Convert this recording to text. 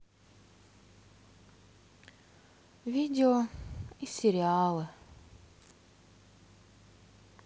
видео и сериалы